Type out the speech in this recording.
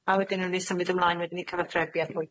A wedyn newn ni symud ymlaen wedyn i cyfathrebiaeth fwy.